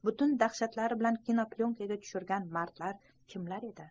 butun dahshatlari bilan kinoplyonkaga tushirgan mardlar kimlar edi